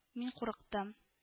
Мин курыктым